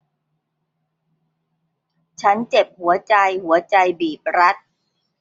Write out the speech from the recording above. ฉันเจ็บหัวใจหัวใจบีบรัด